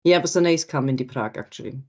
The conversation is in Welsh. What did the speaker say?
Ia basai'n neis cael mynd i Prag actually